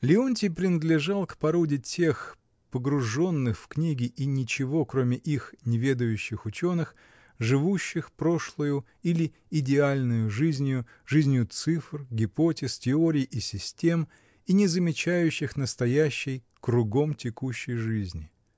Леонтий принадлежал к породе тех погруженных в книги и ничего, кроме их, не ведающих ученых, живущих прошлою или идеальною жизнию, жизнию цифр, ипотез, теорий и систем, и не замечающих настоящей, кругом текущей жизни.